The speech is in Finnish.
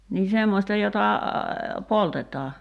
niin semmoista jota poltetaan